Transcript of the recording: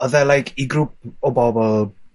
odd e like i grŵp o bobl